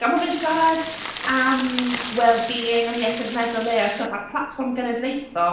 A mae fe’n siarad am wellbeing, am iechyd meddwl e a stwff ar platfform genedlaethol...